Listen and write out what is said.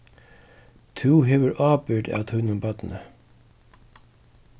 tú hevur ábyrgd av tínum barni